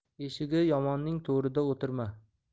eshigi yomonning to'rida o'tirma